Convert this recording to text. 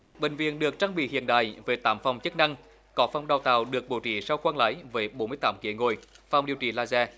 bệnh viện được trang bị hiện đại với tám phòng chức năng có phòng đào tạo được bố trí sau khoang lái với bốn mươi tám ghế ngồi phòng điều trị la de